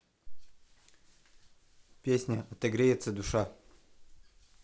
песня отогреется душа